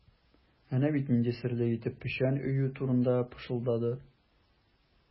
Әнә бит нинди серле итеп печән өю турында пышылдады.